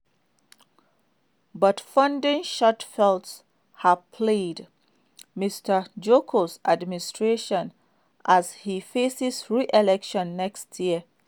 But funding shortfalls have plagued Mr. Joko's administration as he faces re-election next year.